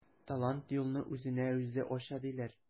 Талант юлны үзенә үзе ача диләр.